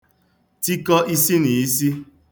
tikọ isinìisi